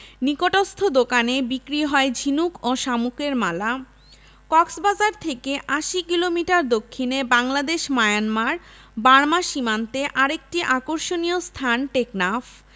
নিকটস্থ দোকানে বিক্রি হয় ঝিনুক ও শামুকের মালা কক্সবাজার থেকে ৮০ কিলোমিটার দক্ষিণে বাংলাদেশ মায়ানমার বার্মা সীমান্তে আরেকটি আকর্ষণীয় স্থান টেকনাফ